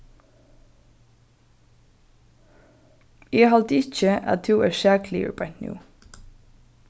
eg haldi ikki at tú ert sakligur beint nú